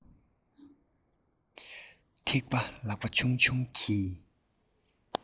ཐིགས པ ལག པ ཆུང ཆུང གིས